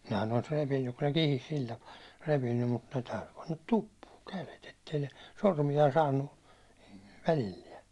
nehän olisi repinyt kun ne kihisi sillä tapaa repinyt mutta täytyi panna tuppuun kädet että ei ne sormia saanut välillään